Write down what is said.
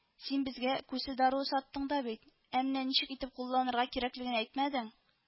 Син безгә күсе даруы саттың да бит, ә менә ничек итеп кулланырга кирәклеген әйтмәдең